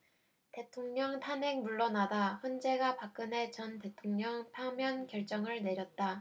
대통령 탄핵 물러나다 헌재가 박근혜 전 대통령 파면 결정을 내렸다